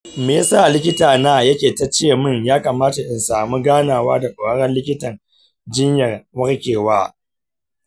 me ya sa likita na yake ta ce min ya kamata in samu ganawa da ƙwararren likitan jinyar warkarwa?